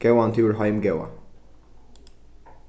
góðan túr heim góða